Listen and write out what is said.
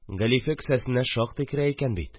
Галифе кесәсенә шактый керә икән бит